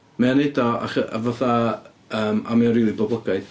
Mae o'n wneud o acho- a fatha, yym, a mae o'n rili boblogaidd.